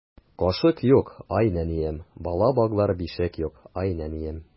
Кашык юк, ай нәнием, Бала баглар бишек юк, ай нәнием.